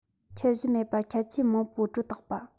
ཁྱད གཞི མེད པར ཁྱད ཆོས མང པོའི སྒྲོ བཏགས པ